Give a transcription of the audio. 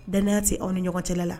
Danaya tɛ anw aw ni ɲɔgɔncɛla la